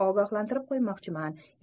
ogohlantirib qo'ymoqchiman